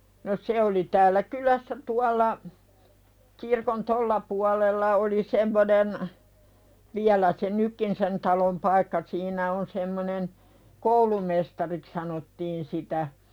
no se oli täällä kylässä tuolla kirkon tuolla puolella oli semmoinen vielä se nytkin sen talon paikka siinä on semmoinen koulumestariksi sanottiin sitä